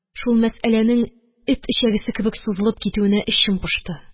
Шул мәсьәләнең эт эчәгесе кебек сузылып китүенә эчем пошты.